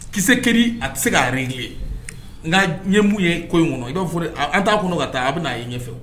Ki kelen a tɛ se ka yɛrɛ ye n nka ɲɛ mun ye ko in kɔnɔ i b'a fɔ a' kɔnɔ ka taa a aw bɛ n'a ye ɲɛfɛ